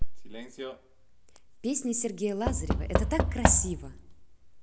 песни сергея лазарева это так красиво